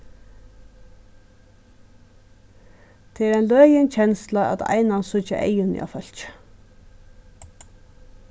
tað ein løgin kensla at einans síggja eyguni á fólki